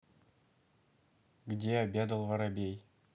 где обедал воробей